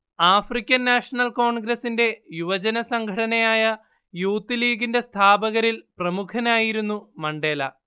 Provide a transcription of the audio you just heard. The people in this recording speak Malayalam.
ആഫ്രിക്കൻ നാഷണൽ കോൺഗ്രസ്സിന്റെ യുവജനസംഘടനയായ യൂത്ത് ലീഗിന്റെ സ്ഥാപകരിൽ പ്രമുഖനായിരുന്നു മണ്ടേല